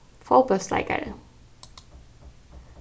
fótbóltsleikari